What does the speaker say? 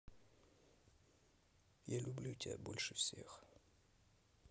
я люблю тебя больше всех